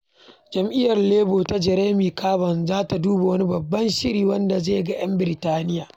Jam'iyyar Labour ta Jeremy Corbyn za ta duba wani babban shirin wanda zai ga 'yan Birtaniyya suna yin aiki na kwana huɗu a mako - amma su sami biya na kwana biyar.